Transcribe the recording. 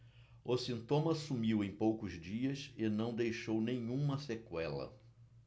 o sintoma sumiu em poucos dias e não deixou nenhuma sequela